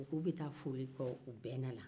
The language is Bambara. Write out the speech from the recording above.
u ko u bɛ taa foli kɛ u bɛna na